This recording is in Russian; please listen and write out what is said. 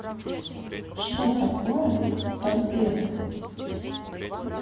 что такое торпеда